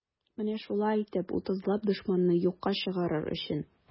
Менә шулай итеп, утызлап дошманны юкка чыгарыр өчен.